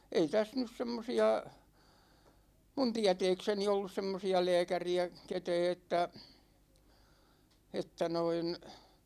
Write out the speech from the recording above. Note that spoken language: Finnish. ei tässä nyt semmoisia minun tietääkseni ollut semmoisia lääkäriä ketään että että noin